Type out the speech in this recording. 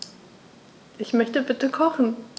Ich möchte bitte kochen.